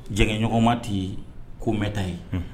Jɛgɛɲɔgɔnma tɛ ko mɛnta ye